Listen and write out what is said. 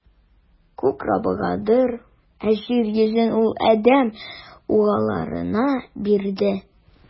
Күк - Раббыгадыр, ә җир йөзен Ул адәм угылларына бирде.